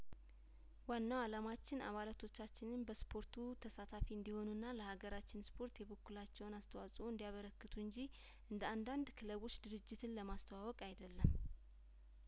ዋናው አላማችን አባላቶቻችንን በስፖርቱ ተሳታፊ እንዲሆኑና ለሀገራችን ስፖርት የበኩላቸውን አስተዋጽኦ እንዲ ያበረክቱ እንጂ እንደአንዳንድ ክለቦች ድርጅትን ለማስተዋወቅ አይደለም